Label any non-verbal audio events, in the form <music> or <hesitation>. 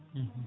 <hesitation> <hesitation>